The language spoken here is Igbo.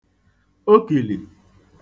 okìlì